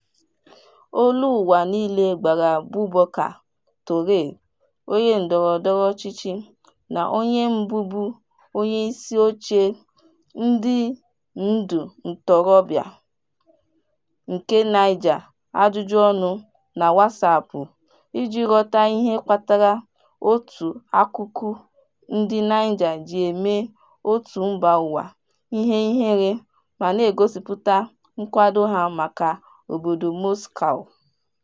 Global Voices gbara Boubacar Touré onye ndọrọndọrọ ọchịchị na onye bụbụ onye isi oche Young Leaders of Niger ajụjụọnụ na WhatsApp iji ghọta ihe kpatara otu akụkụ ndị Niger jị eme òtù mbaụwa ihe ihere ma na- egosipụta nkwado ha maka obodo Moscow.